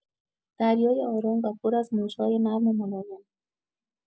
دریای آرام و پر از موج‌های نرم و ملایم